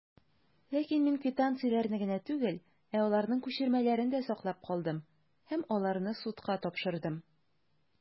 Ләкин мин квитанцияләрне генә түгел, ә аларның күчермәләрен дә саклап калдым, һәм аларны судка тапшырдым.